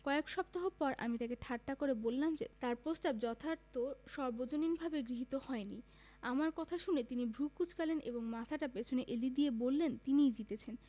কয়েক সপ্তাহ পর আমি তাঁকে ঠাট্টা করে বললাম যে তাঁর প্রস্তাব যথার্থ সর্বজনীনভাবে গৃহীত হয়নি আমার কথা শুনে তিনি ভ্রু কুঁচকালেন এবং মাথাটা পেছন এলিয়ে দিয়ে বললেন তিনিই জিতছেন